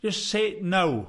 Just say no.